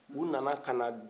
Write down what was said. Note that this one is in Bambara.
u na na ka na